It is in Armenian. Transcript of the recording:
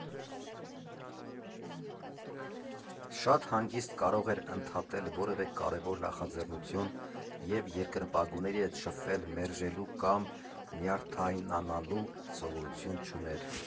Շատ հանգիստ կարող էր ընդհատել որևէ կարևոր նախաձեռնություն և երկրպագուների հետ շփվել՝ մերժելու կամ նյարդայնանալու սովորություն չուներ։